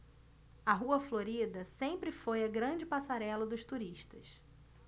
a rua florida sempre foi a grande passarela dos turistas